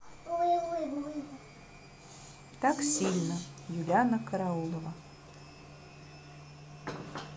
так сильно юлианна караулова